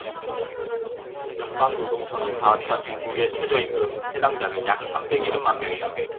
연방노동청이 파악한 전국의 최저임금 해당자는 약 삼백 일흔 만명이다